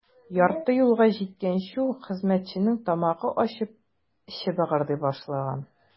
Ярты юлга җиткәнче үк хезмәтченең тамагы ачып, эче быгырдый башлаган.